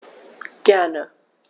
Gerne.